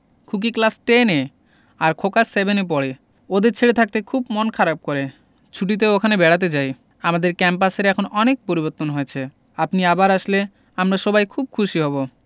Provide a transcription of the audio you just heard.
খুকি ক্লাস টেনএ আর খোকা সেভেনএ পড়ে ওদের ছেড়ে থাকতে খুব মন খারাপ করে ছুটিতে ওখানে বেড়াতে যাই আমাদের ক্যাম্পাসের এখন অনেক পরিবর্তন হয়েছে আপনি আবার আসলে আমরা সবাই খুব খুশি হব